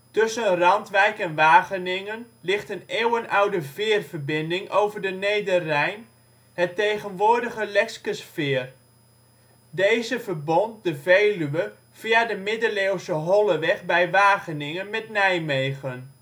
Tussen Randwijk en Wageningen ligt een eeuwenoude veerverbinding over de Nederrijn: het tegenwoordige Lexkesveer. Deze verbond de Veluwe via de middeleeuwse Holleweg bij Wageningen met Nijmegen